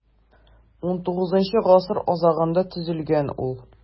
XIX гасыр азагында төзелгән ул.